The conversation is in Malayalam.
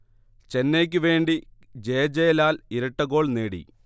ചെന്നൈയ്ക്കു വേണ്ടി ജെ. ജെ ലാൽ ഇരട്ടഗോൾ നേടി